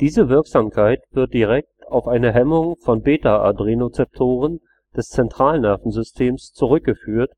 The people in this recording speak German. Diese Wirksamkeit wird direkt auf eine Hemmung von β-Adrenozeptoren des Zentralnervensystems zurückgeführt